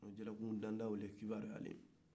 o jalamundanda o de kibaruyara